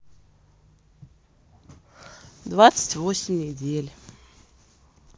двадцать восемь недель